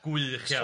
Gwych iawn.